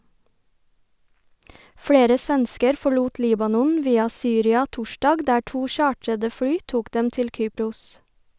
Flere svensker forlot Libanon via Syria torsdag, der to chartrede fly tok dem til Kypros.